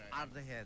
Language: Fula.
arda heen